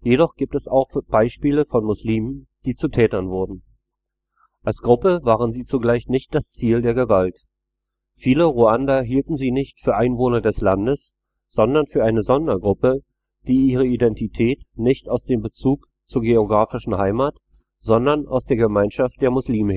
jedoch gibt es auch Beispiele von Muslimen, die zu Tätern wurden. Als Gruppe waren sie zugleich nicht das Ziel der Gewalt. Viele Ruander hielten sie nicht für Einwohner des Landes, sondern für eine Sondergruppe, die ihre Identität nicht aus dem Bezug zur geografischen Heimat, sondern aus der Gemeinschaft der Muslime